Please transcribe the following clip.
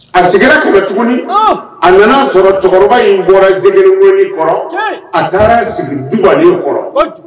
A segin na ka na tuguni, a nana sɔrɔ cɛkɔrɔba in bɔra zikirou wurudi kɔrɔ a taara sigi dugalen kɔrɔ.